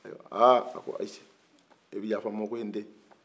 aa a ko ayise